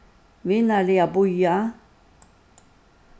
vinarliga bíða